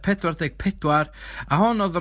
...pedwar deg pedwar a hon o'dd yr...